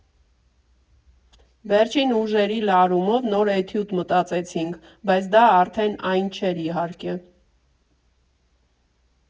Վերջին ուժերի լարումով նոր էտյուդ մտածեցինք, բայց դա արդեն այն չէր իհարկե։